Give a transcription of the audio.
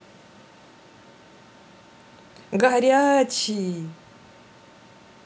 горячий